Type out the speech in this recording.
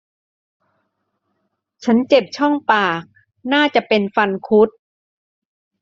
ฉันเจ็บช่องปากน่าจะเป็นฟันคุด